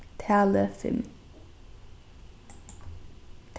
talið fimm